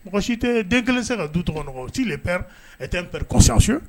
Mɔgɔ si tɛ den 1 te se ka dutɔgɔ nɔgo wo si le père est père conscienceux